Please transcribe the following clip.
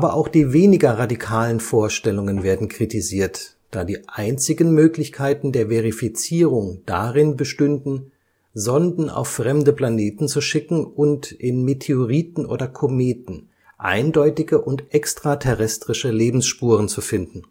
auch die weniger radikalen Vorstellungen werden kritisiert, da die einzigen Möglichkeiten der Verifizierung darin bestünden, Sonden auf fremde Planeten zu schicken und in Meteoriten oder Kometen eindeutige und extraterrestrische Lebensspuren zu finden